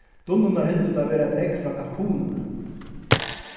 dunnurnar hildu tað vera eitt egg frá kalkunini